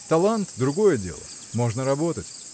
Талант – другое дело: можно работать